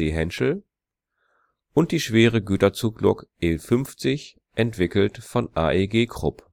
BBC/Henschel) und die schwere Güterzuglok E 50 (entwickelt von AEG/Krupp